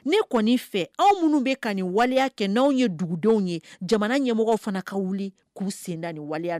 Ne kɔni fɛ anw minnu bɛ ka nin waliya kɛ n' anwanw ye dugudenw ye jamana ɲɛmɔgɔ fana ka wuli k'u senda ni waleya